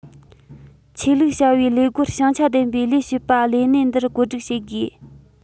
ཆོས ལུགས བྱ བའི ལས སྒོར བྱང ཆ ལྡན པའི ལས བྱེད པ ལས གནས འདིར བཀོད སྒྲིག བྱེད དགོས